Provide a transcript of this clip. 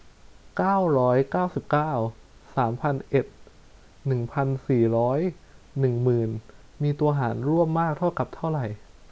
เก้าร้อยเก้าสิบเก้าสามพันเอ็ดหนึ่งพันสี่ร้อยหนึ่งหมื่นมีตัวหารร่วมมากเป็นเท่าไหร่